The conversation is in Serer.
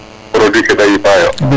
produit ke de yipa yo